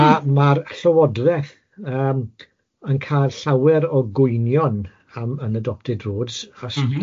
A ma'r llywodreth yym yn cal llawer o gwynion am yn Unadopted Roads achos... M-hm.